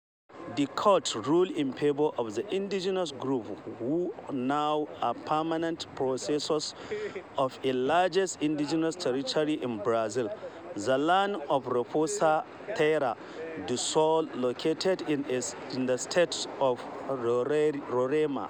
The court ruled in favor of the indigenous groups, who now are permanent possessors of the largest Indigenous Territory in Brazil — the lands of Raposa Terra do Sol, located in the state of Roraima.